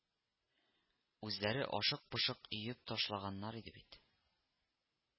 Үзләре ашык-пошык өеп ташлаганнар иде бит